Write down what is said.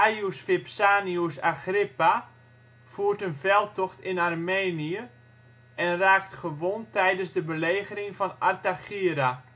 Gaius Vipsanius Agrippa voert een veldtocht in Armenië en raakt gewond tijdens de belegering van Artagira